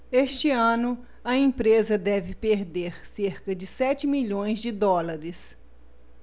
este ano a empresa deve perder cerca de sete milhões de dólares